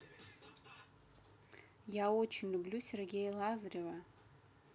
я очень люблю сергея лазарева